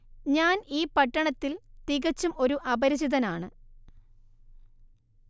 ഞാൻ ഈ പട്ടണത്തിൽ തികച്ചും ഒരു അപരിചിതനാണ്